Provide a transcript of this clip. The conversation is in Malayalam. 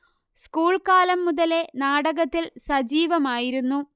സ്കൂൾ കാലം മുതലേ നാടകത്തിൽ സജീവമായിരുന്നു